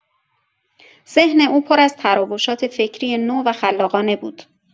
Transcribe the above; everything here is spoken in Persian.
ذهن او پر از تراوشات فکری نو و خلاقانه بود.